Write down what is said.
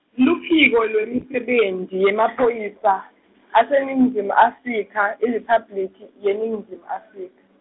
luphiko lwemisebenti yemaPhoyisa, aseNingizimu Afrika, IRiphabliki yeNingizimu Afrika.